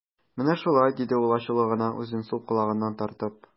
Менә шулай, - диде ул ачулы гына, үзен сул колагыннан тартып.